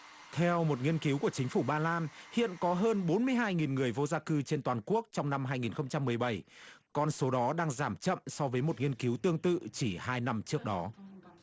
theo một nghiên cứu của chính phủ ba lan hiện có hơn bốn mươi hai nghìn người vô gia cư trên toàn quốc trong năm hai nghìn không trăm mười bảy con số đó đang giảm chậm so với một nghiên cứu tương tự chỉ hai năm trước đó